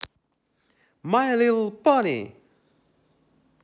my little pony